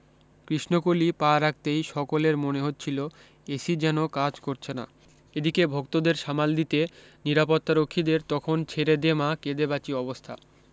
কৃষ্ণকলি পা রাখতেই সকলের মনে হচ্ছিল এসি যেন কাজ করছে না এদিকে ভক্তদের সামাল দিতে নিরাপত্তারক্ষীদের তখন ছেড়ে দে মা কেঁদে বাঁচি অবস্থা